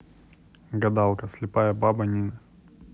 гадалка слепая баба нина